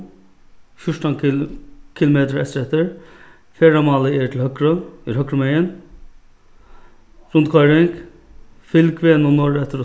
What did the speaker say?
fjúrtan kilometrar eystureftir ferðamálið er til høgru er høgrumegin rundkoyring fylg vegnum norðureftir og